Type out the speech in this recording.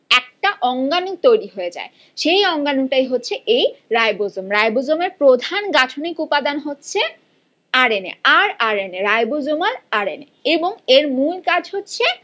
একটা অঙ্গানু তৈরি হয়ে যায় এবং সেই অঙ্গানু টাই হচ্ছে এই রাইবোজোম রাইবোজোমের প্রধান গাঠনিক উপাদান হচ্ছে আর এন এ আর R N A ribosomal R N A এবং এর মূল কাজ হচ্ছে